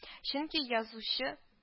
Чөнки язучы